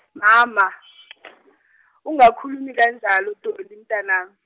Mama , ungakhulumi kanjalo Dolly mntanami.